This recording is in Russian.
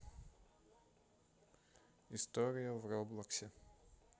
история в роблоксе